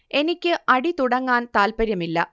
എനിക്ക് അടി തുടങ്ങാൻ താല്പര്യം ഇല്ല